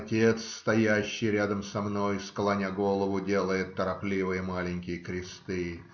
Отец, стоящий рядом со мной, склоня голову, делает торопливые маленькие кресты